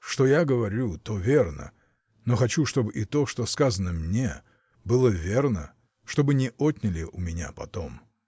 Что я говорю — то верно, но хочу, чтоб и то, что сказано мне, — было верно, чтобы не отняли у меня потом!